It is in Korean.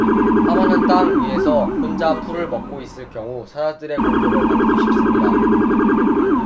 하마는 땅 위에서 혼자 풀을 먹고 있을 경우 사자들의 공격을 받기 쉽습니다